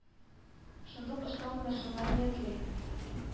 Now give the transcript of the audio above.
Шундук эшкә урнашырга ниятли.